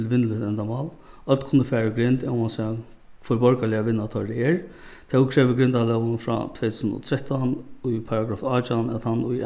til vinnuligt endamál øll kunnu fara í grind óansæð hvør borgarliga vinna teirra er tó krevur grindalógin frá tvey túsund og trettan í paragraff átjan at tann ið